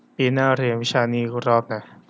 ปีหน้าเรียนวิชานี้อีกรอบนะ